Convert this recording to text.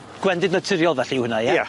Gwendid naturiol felly yw hwnna ie? Ia.